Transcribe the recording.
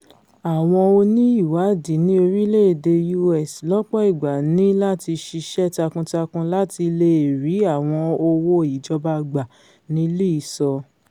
Àwọn oní-ìwáàdí ní orílẹ̀-èdè U.S. lọ́pọ̀ ìgbà ní láti ṣiṣẹ́ takun-takun láti leè rí àwọn owó ìjọba gbà, ni Lee sọ.